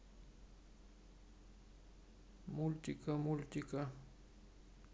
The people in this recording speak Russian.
мультика мультика